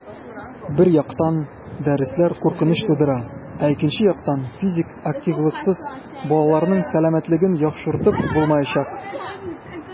Бер яктан, дәресләр куркыныч тудыра, ә икенче яктан - физик активлыксыз балаларның сәламәтлеген яхшыртып булмаячак.